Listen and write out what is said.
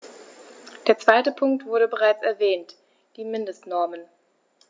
Der zweite Punkt wurde bereits erwähnt: die Mindestnormen.